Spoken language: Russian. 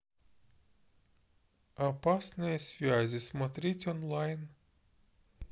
опасные связи смотреть онлайн